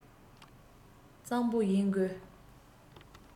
གཙང པོ ཡིན དགོས